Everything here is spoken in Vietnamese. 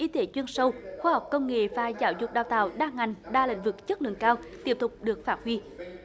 y tế chuyên sâu khoa học công nghệ và giáo dục đào tạo đa ngành đa lĩnh vực chất lượng cao tiếp tục được phát huy